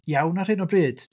Iawn ar hyn o bryd.